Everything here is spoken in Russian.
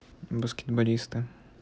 баскетболисты